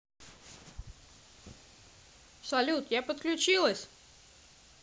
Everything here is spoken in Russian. салют я подключилась